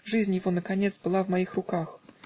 Жизнь его наконец была в моих руках